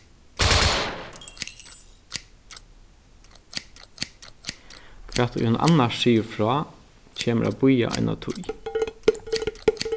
hvat ið hon annars sigur frá kemur at bíða eina tíð